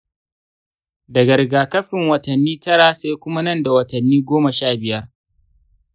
daga rigakafin watanni tara sai kuma nanda watanni goma sha biyar.